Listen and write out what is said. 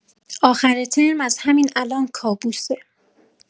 آخر ترم از همین الان کابوسه